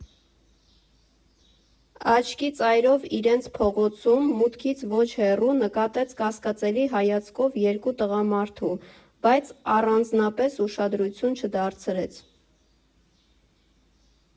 Աչքի ծայրով իրենց փողոցում՝ մուտքից ոչ հեռու, նկատեց կասկածելի հայացքով երկու տղամարդու, բայց առանձնապես ուշադրություն չդարձրեց։